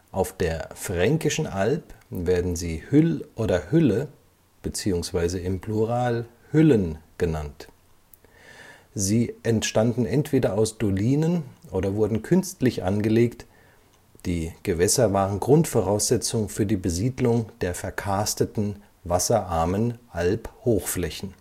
Auf der Fränkischen Alb werden sie Hüll oder Hülle (Plural: Hüllen) genannt. Sie entstanden entweder aus Dolinen oder wurden künstlich angelegt, die Gewässer waren Grundvoraussetzung für die Besiedlung der verkarsteten wasserarmen Albhochflächen